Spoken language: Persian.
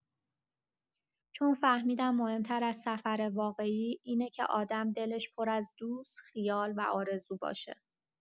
چون فهمیدن مهم‌تر از سفر واقعی، اینه که آدم دلش پر از دوست، خیال و آرزو باشه.